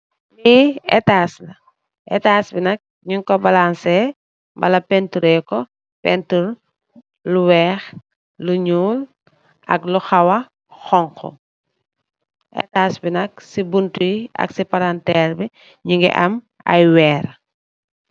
Lii etaas la, etaas bi nak, ñung ko pëënturee lu weex, lu ñuul, ak lu xawa, xoñga, etaas bi nak, si buntu yi ak palanteer bi, ñu ngi am weer.